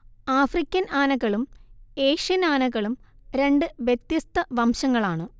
African ആനകളും Asian ആനകളും രണ്ട് വ്യത്യസ്ത വംശങ്ങളാണ്